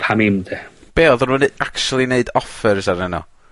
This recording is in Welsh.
pam 'im 'de? Be' oedden nw'n ne- actually neud offers arnyn nw?